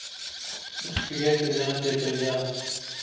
ustiga sedana sepilgan